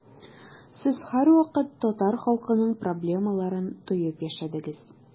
Сез һәрвакыт татар халкының проблемаларын тоеп яшәдегез.